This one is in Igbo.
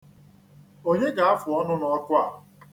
Onye ga-afụ ọnụ n'ọkụ a?